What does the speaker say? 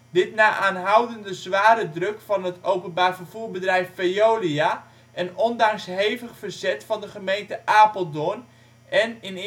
Dit na aanhoudende zware druk van het openbaarvervoerbedrijf Veolia, en ondanks hevig verzet van de gemeente Apeldoorn en (in